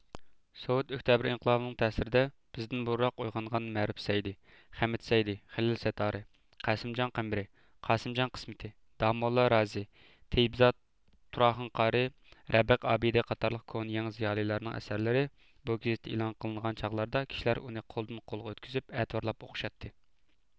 سوۋېت ئۆكتەبىر ئىنقىلابىنىڭ تەسىرىدە بىزدىن بۇرۇنراق ئويغانغان مەرۇپ سەيدى خەمىت سەيدى خېلىل سەتتارى قاسىمجان قەمبىرى قاسىمجان قىسمىتى داموللا رازى تىيىبزات تۇراخۇن قارىي رەبىق ئابىدى قاتارلىق كونا يېڭى زىيالىيلارنىڭ ئەسەرلىرى بۇ گېزىتتە ئېلان قىلىنغان چاغلاردا كىشىلەر ئۇنى قولدىن قولغا ئۆتكۈزۈپ ئەتىۋارلاپ ئوقۇشاتتى